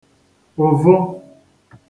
ụ̀vụ